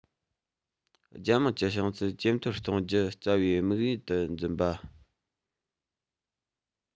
རྒྱལ དམངས ཀྱི བྱང ཚད ཇེ མཐོར གཏོང རྒྱུ རྩ བའི དམིགས ཡུལ དུ འཛིན པ